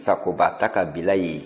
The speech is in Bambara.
sagoba a ta k'a bila yen